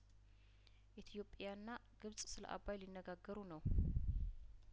ኢትዮጵያና ግብጽ ስለአባይ ሊነጋገሩ ነው